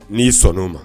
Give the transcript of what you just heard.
N''i sɔn' ma